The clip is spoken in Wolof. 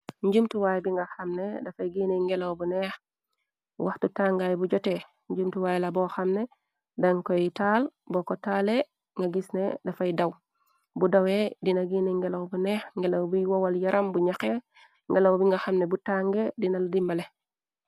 Njumtuwaay bi nga xamne dafay gine ngelow bu neex waxtu tàngaay bu jote njumtuwaay la bo xamne dan koy taal bo ko taale nga gisne dafay daw bu dawe dina gine ngelow bu neex ngelow biy wowal yaram bu ñaxe ngelow bi nga xamne bu tànge dina dimbale.